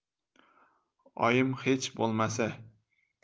oyim hech bo'lmasa